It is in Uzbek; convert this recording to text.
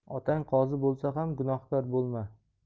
otang qozi bo'lsa ham gunohkor bo'lma